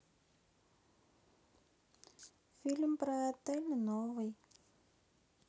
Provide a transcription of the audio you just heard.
фильм про отель новый